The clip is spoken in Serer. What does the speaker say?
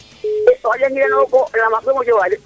o xaƴa ngirano noxa maaɓ somo jofa de